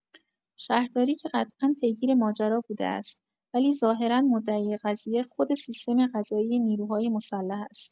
شهرداری که قطعا پیگیر ماجرا بوده است ولی ظاهرا مدعی قضیه، خود سیستم قضائی نیروهای مسلح است.